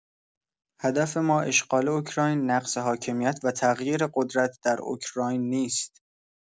هدف ما اشغال اوکراین، نقض حاکمیت و تغییر قدرت در اوکراین نیست.